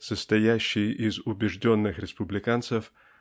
состоящей из убежденных республиканцев